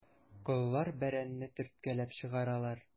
Коллар бәрәнне төрткәләп чыгаралар.